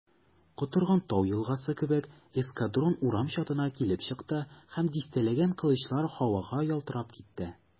Котырган тау елгасы кебек эскадрон урам чатына килеп чыкты, һәм дистәләгән кылычлар һавада ялтырап китте.